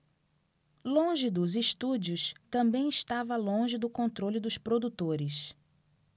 longe dos estúdios também estava longe do controle dos produtores